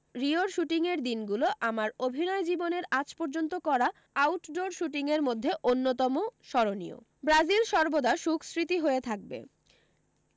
রিওর শুটিংয়ের দিনগুলো আমার অভিনয় জীবনের আজ পর্যন্ত করা আটডোর শুটিংয়ের মধ্যে অন্যতম স্মরণীয় ব্রাজিল সর্বদা সুখস্মৃতি হয়ে থাকবে